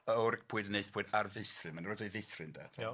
yy o'r pwyd neithpwyd ar feithrin, ma' nw yn deu feithrin de. Iawn.